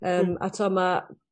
Yym a t'wo' ma'